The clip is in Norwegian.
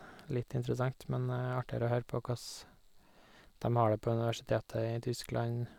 Litt interessant, men artigere å høre på koss dem har det på universitetet i Tyskland.